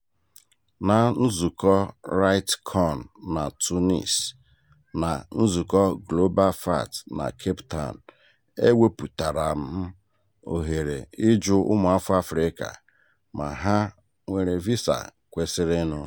Na nzụkọ RightsCon na Tunis, na nzụkọ GlobalFact na Cape Town, ewepụtara m ohere ịjụ ụmụafọ Afrịka ma ha nwere visa kwesịrịnụ.